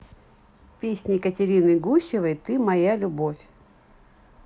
песня екатерины гусевой ты моя любовь